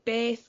beth